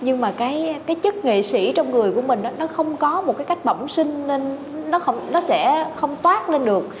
nhưng mà cái cái chất nghệ sĩ trong người của mình đó nó không có một cái cách bẩm sinh nên nó không nó sẽ không toát lên được